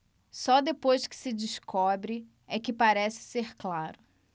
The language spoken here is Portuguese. só depois que se descobre é que parece ser claro